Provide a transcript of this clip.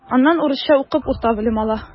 Аннан урысча укып урта белем ала.